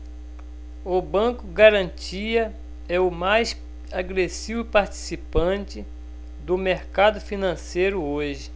o banco garantia é o mais agressivo participante do mercado financeiro hoje